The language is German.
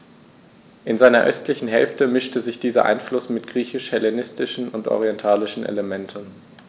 In seiner östlichen Hälfte mischte sich dieser Einfluss mit griechisch-hellenistischen und orientalischen Elementen.